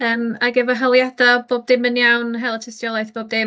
Ymm ac efo holiadau bob dim yn iawn hel tystiolaeth bob dim?